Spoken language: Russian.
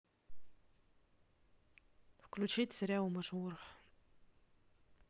включить сериал мажор